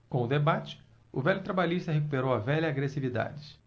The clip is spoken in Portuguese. com o debate o velho trabalhista recuperou a velha agressividade